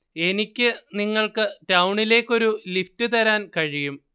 എനിക്ക് നിങ്ങൾക്ക് ടൌണിലേക്ക് ഒരു ലിഫ്റ്റ് തരാൻ കഴിയും